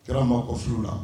Kɛra ma o fiw la